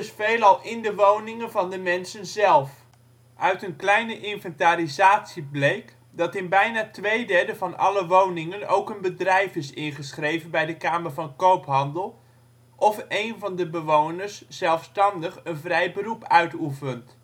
veelal in de woningen van de mensen zelf. Uit een kleine inventarisatie bleek dat in bijna 2/3 van alle woningen ook een bedrijf is ingeschreven bij de Kamer van Koophandel, of één van de bewoners zelfstandig een vrij beroep uitoefent